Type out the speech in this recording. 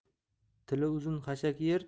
tili uzun xashak yer